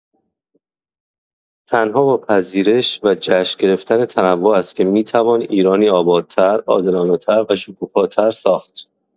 تنها با پذیرش و جشن گرفتن تنوع است که می‌توان ایرانی آبادتر، عادلانه‌تر و شکوفاتر ساخت.